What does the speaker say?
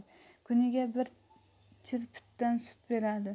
kuniga bir chirpitdan sut beradi